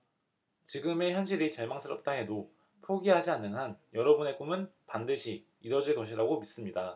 지금의 현실이 절망스럽다 해도 포기하지 않는 한 여러분의 꿈은 반드시 이뤄질 것이라고 믿습니다